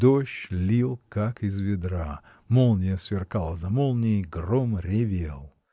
Дождь лил как из ведра, молния сверкала за молнией, гром ревел.